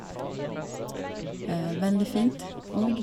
Veldig fint òg.